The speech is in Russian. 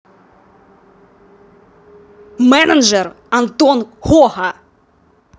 менеджер антон хоха